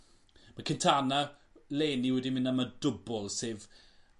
ma' Quintana leni wedi mynd am y dwbwl sef